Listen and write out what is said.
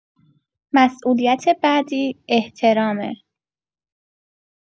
مسئولیت بعدی، احترامه.